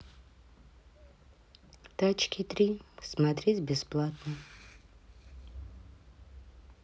тачки три смотреть бесплатно